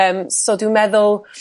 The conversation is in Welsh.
ymm so dwi'n meddwl